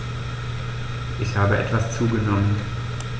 Ich habe etwas zugenommen